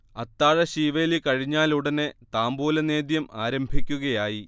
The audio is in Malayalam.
അത്താഴ ശീവേലി കഴിഞ്ഞാലുടനെ താംബൂലനേദ്യം ആരംഭിക്കുകയായി